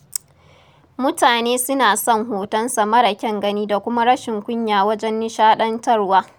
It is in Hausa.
Mutane suna son hotonsa mara kyan gani da kuma rashin kunya wajen nishaɗantarwa.